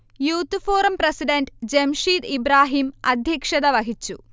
youth forum president Jamsheed Ibrahim അദ്ധ്യക്ഷത വഹിച്ചു